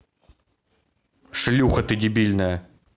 шлюха ты дебильная